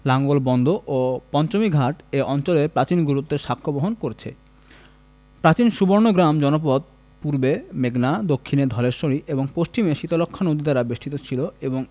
লাঙ্গলবন্দ ও পঞ্চমীঘাট এ অঞ্চলের প্রাচীন গুরুত্বের সাক্ষ্য বহন করছে প্রাচীন সুবর্ণগ্রাম জনপদ পূর্বে মেঘনা দক্ষিণে ধলেশ্বরী এবং পশ্চিমে শীতলক্ষ্যা নদী দ্বারা বেষ্টিত ছিল এবং